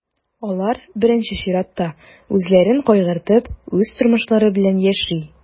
Алар, беренче чиратта, үзләрен кайгыртып, үз тормышлары белән яши.